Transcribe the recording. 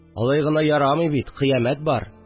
Алай гына ярамый бит, кыямәт бар